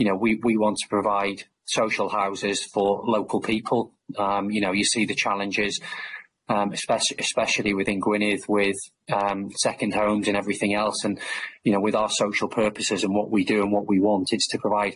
You know we we want to provide social houses for local people yym you know you see the challenges yym especially especially within Gwynedd with yym second homes and everything else and you know with our social purposes and what we do and what we want is to provide